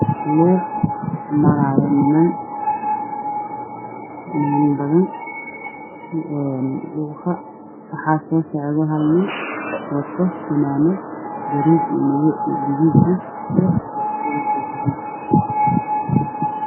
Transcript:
Waa waddo yar waxaa ii muuqda niman sii shaqaan iyo wiil yar geesaha waxaa uga yaalo guryo